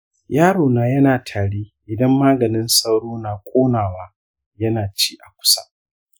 yaro na yana tari idan maganin sauro na ƙonawa yana ci a kusa.